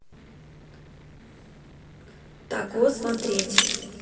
того смотреть